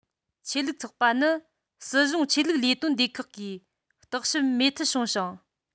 ཆོས ལུགས ཚོགས པ ནི སྲིད གཞུང ཆོས ལུགས ལས དོན སྡེ ཁག གིས རྟོག ཞིབ མོས མཐུན བྱུང ཞིང